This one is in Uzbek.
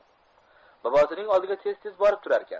bobosining oldiga tez tez borib turarkan